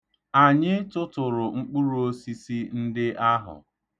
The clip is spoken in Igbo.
Anyị tụtụrụ mkpụrụosisi ndị ahụ.